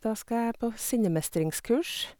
Da skal jeg på sinnemestringskurs.